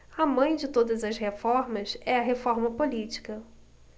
a mãe de todas as reformas é a reforma política